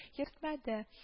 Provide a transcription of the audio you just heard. Йөртмәде